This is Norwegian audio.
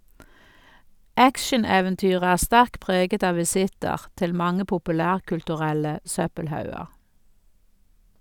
Actioneventyret er sterkt preget av visitter til mange populærkulturelle søppelhauger.